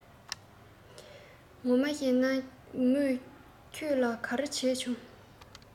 ངོ མ གཤད ན མོས ཁྱེད ལ ག རེ བྱས བྱུང